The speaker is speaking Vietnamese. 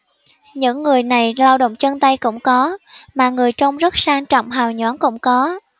những người này lao động chân tay cũng có mà người trông rất sang trọng hào nhoáng cũng có